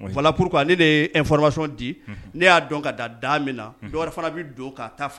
P ne di ne y'a dɔn ka da da min na fana bɛ don ka'